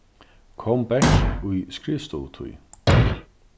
kom bert í skrivstovutíð